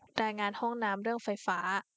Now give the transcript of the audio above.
รายงานห้องน้ำเรื่องไฟฟ้า